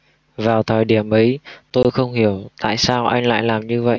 vào thời điểm ấy tôi không hiểu tại sao anh lại làm như vậy